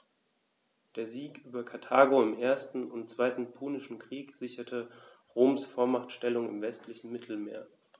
Der Sieg über Karthago im 1. und 2. Punischen Krieg sicherte Roms Vormachtstellung im westlichen Mittelmeer.